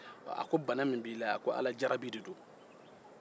a ko bana min b'i la alajarabi de don